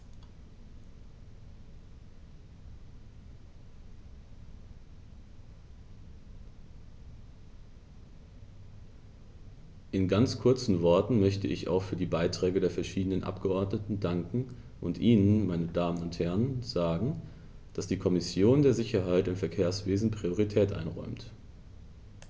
In ganz kurzen Worten möchte ich auch für die Beiträge der verschiedenen Abgeordneten danken und Ihnen, meine Damen und Herren, sagen, dass die Kommission der Sicherheit im Verkehrswesen Priorität einräumt.